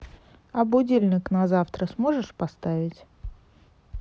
а будильник на завтра сможешь поставить